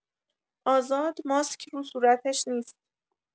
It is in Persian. آزاد ماسک رو صورتش نیست